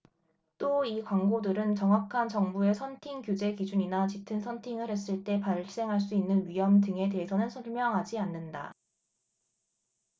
또 이 광고들은 정확한 정부의 선팅 규제 기준이나 짙은 선팅을 했을 때 발생할 수 있는 위험 등에 대해서는 설명하지 않는다